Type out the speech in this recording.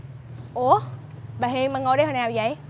ủa bà hiền bà ngồi đây hồi nào dậy